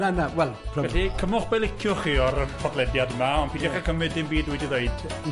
Na, na, wel… Felly, cymwch be liciwch chi o'r podlediad ma, ond pidiwch a cymryd dim byd dwi di ddweud yn gywir.